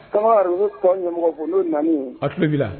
Kamaru ye kɔn ɲɛmɔgɔbolo naani a tilebi la